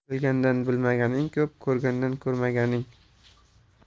bilgandan bilmaganing ko'p ko'rgandan ko'rmaganing